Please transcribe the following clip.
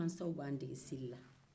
anw mansaw b'an dege seli la